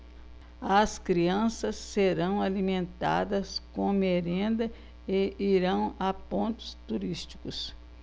as crianças serão alimentadas com merenda e irão a pontos turísticos